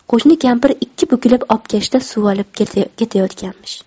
qo'shni kampir ikki bukilib obkashda suv olib ketayotganmish